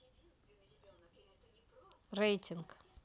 рейтинг